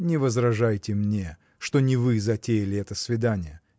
Не возражайте мне, что не вы затеяли это свидание